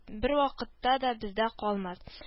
Бервакытта да бездә калмас